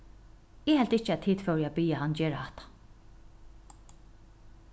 eg helt ikki at tit fóru at biðja hann gera hatta